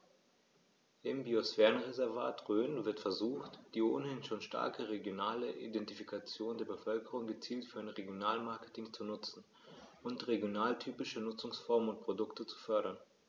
Im Biosphärenreservat Rhön wird versucht, die ohnehin schon starke regionale Identifikation der Bevölkerung gezielt für ein Regionalmarketing zu nutzen und regionaltypische Nutzungsformen und Produkte zu fördern.